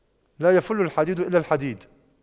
لا يَفُلُّ الحديد إلا الحديد